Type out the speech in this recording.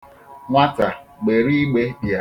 Nwata, gbere igbe bịa.